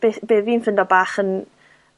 beth be' fi'n ffindo bach yn